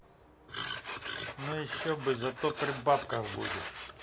ну еще бы зато при бабках будешь